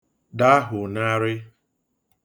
dahụ̀narị